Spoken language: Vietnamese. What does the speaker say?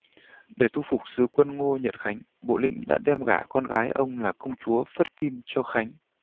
để thu phục sứ quân ngô nhật khánh bộ lĩnh đã đem gả con gái ông là công chúa phất kim cho khánh